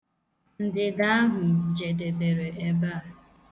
Ndịda ahụ jedebere ebea.